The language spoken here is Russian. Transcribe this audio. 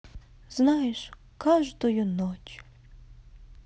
знаешь каждую ночь